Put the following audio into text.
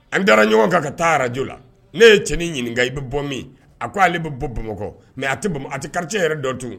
An taara ɲɔgɔn kan ka taa arajo la ne ye tiin ɲininkaka i bɛ bɔ min a ko ale bɛ bɔ bamakɔ mɛ a tɛ a tɛ kari yɛrɛ dɔn tun